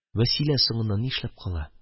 Вәсилә соңыннан ни эшләп кала?